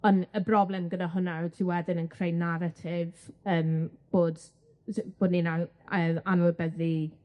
On' y broblem gyda hwnna yw ti wedyn yn creu naratif yym bod d- bo ni'n an- ail anwybyddu